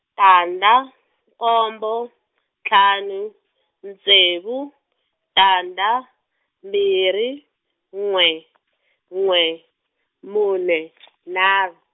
tandza, nkombo , ntlhanu , ntsevu, tandza, mbirhi, n'we , n'we, mune , nharhu.